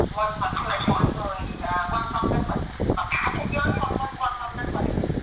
mình vẫn được mọi người ờ quan tâm đến mình và cả thế giới văn minh quan tâm đến mình